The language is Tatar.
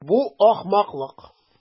Бу ахмаклык.